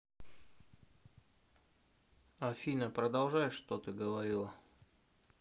афина продолжай что ты говорила